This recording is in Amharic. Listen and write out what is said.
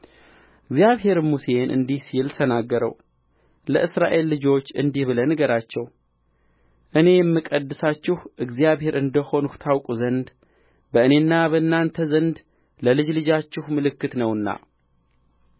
እግዚአብሔርም ሙሴን እንዲህ ሲል ተናገረው ለእስራኤል ልጆች እንዲህ ብለህ ንገራቸው እኔ የምቀድሳችሁ እግዚአብሔር እንደ ሆንሁ ታውቁ ዘንድ በእኔና በእናንተ ዘንድ ለልጅ ልጃችሁ ምልክት ነውና